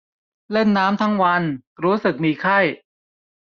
เล่นน้ำทั้งวันรู้สึกมีไข้